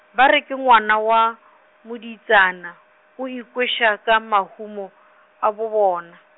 ba re ke ngwana wa, modiitšana, o ikweša ka mahumo, a bobona.